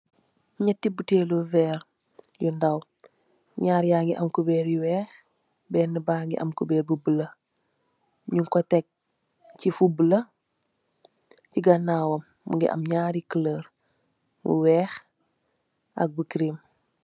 niti bitul lu werr yu daw nari yangi ham kopirr yu weex bene bagi ham kopirr bu bule nug ko teh ci fu bule ci ganawm mingi ham nari color bu weex ak nu wert.